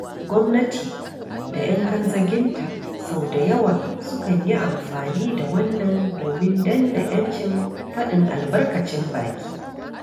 Gwamnati da 'yan kanzaginta sau da yawa sukan yi amfani da wannan domin danne 'yancin faɗin albarkacin baki.